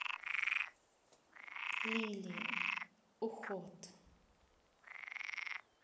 лилии уход